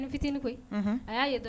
Fitinin koyi a y'a